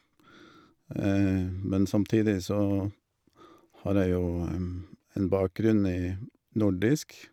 Men samtidig så har jeg jo en bakgrunn i nordisk.